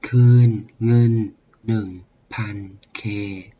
คืนเงินหนึ่งพันเค